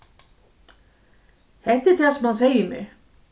hetta er tað sum hann segði mær